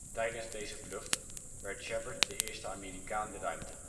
Tijdens deze vlucht werd Shepard de eerste Amerikaan in de ruimte